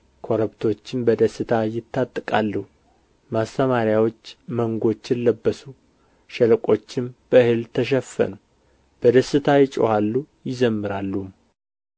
ኮረብቶችም በደስታ ይታጠቃሉ ማሰማርያዎች መንጎችን ለበሱ ሸለቆችም በእህል ተሸፈኑ በደስታ ይጮኻሉ ይዘምራሉም